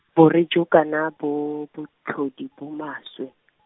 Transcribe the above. bore jo kana bo, botlhodi bo maswe.